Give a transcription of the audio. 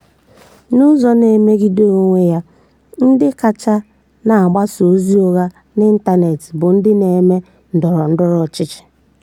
N'ụzọ na-emegide onwe ya, ndị kachasị na-agbasa ozi ụgha n'ịntaneetị bụ ndị na-eme ndọrọ ndọrọ ọchịchị.